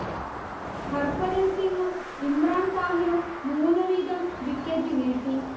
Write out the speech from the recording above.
ഹർഭജൻ സിങ്ങും ഇമ്രാൻ താഹിറും മൂന്ന് വീതം വിക്കറ്റ് വീഴ്ത്തി